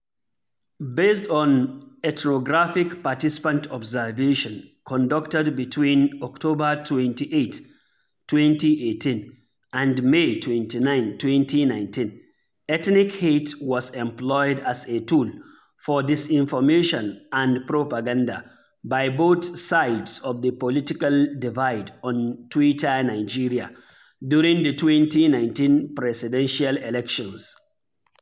Based on ethnographic participant observation conducted between October 28, 2018, and May 29, 2019, ethnic hate was employed as a tool for disinformation and propaganda by both sides of the political divide on Twitter Nigeria during the 2019 presidential elections.